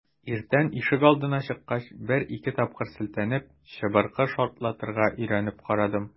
Иртән ишегалдына чыккач, бер-ике тапкыр селтәнеп, чыбыркы шартлатырга өйрәнеп карадым.